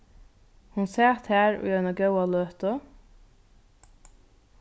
hon sat har í eina góða løtu